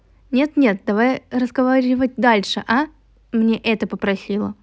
нет нет давай разговаривать дальше а мне это попросила